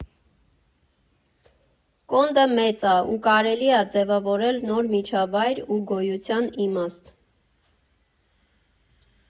Կոնդը մեծ ա, ու կարելի ա ձևավորել նոր միջավայր ու գոյության իմաստ։